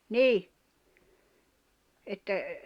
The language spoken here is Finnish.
niin että